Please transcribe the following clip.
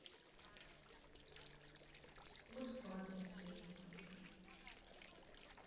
кот падает с лестницы